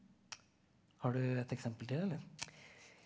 har du et eksempel til eller?